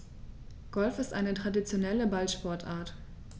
Golf ist eine traditionelle Ballsportart.